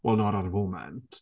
Wel, not ar y foment.